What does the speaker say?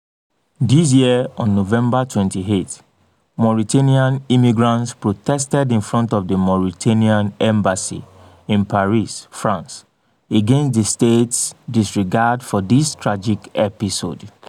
This year on November 28, Mauritanian immigrants protested in front of the Mauritanian embassy in Paris, France, against the state's disregard for this tragic episode.